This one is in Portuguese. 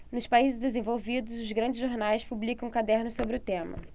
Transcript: nos países desenvolvidos os grandes jornais publicam cadernos sobre o tema